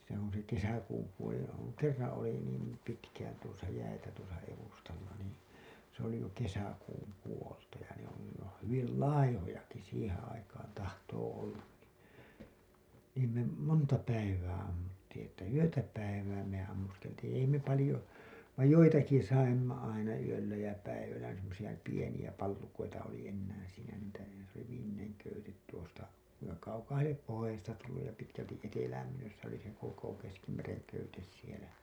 se on se kesäkuun puolella on kerran oli niin pitkään tuossa jäitä tuossa edustalla niin se oli jo kesäkuun puolta ja ne on niin ne on hyvin laihojakin siihen aikaan tahtoo olla niin niin me monta päivää ammuttiin että yötä päivää me ammuskeltiin ei me paljon vain joitakin saimme aina yöllä ja päivällä semmoisia pieniä pallukoita oli enää siinä niitä se oli viimeinen köyte tuosta kuinka kaukaahan lie pohjoisesta tullut ja pitkälti etelään myös se oli sen koko keskimeren köyte siellä